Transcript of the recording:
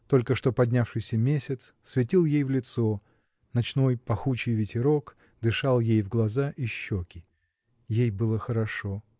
только что поднявшийся месяц светил ей в лицо, ночной пахучий ветерок дышал ей в глаза и щеки. Ей было хорошо.